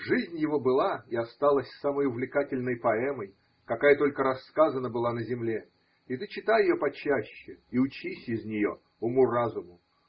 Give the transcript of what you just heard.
Жизнь его была и осталась самой увлекательной поэмой, какая только рассказана была на земле, и ты читай ее почаще и учись из нее уму-разуму.